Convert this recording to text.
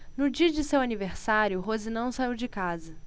no dia de seu aniversário rose não saiu de casa